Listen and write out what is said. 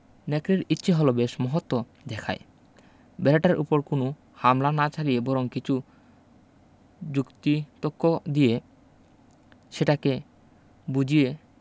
নেকড়ের ইচ্ছে হল বেশ মহত্ব দেখায় ভেড়াটার উপর কোন হামলা না চালিয়ে বরং কিছু যুক্তিতক্ক দিয়ে সেটাকে বুঝিয়ে